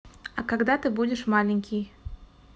а когда ты будешь маленький